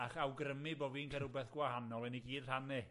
ac awgrymu bo' fi'n ca'l rwbeth gwahanol i ni gyd rhannu.